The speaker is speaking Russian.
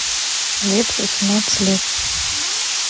лепс восемнадцать лет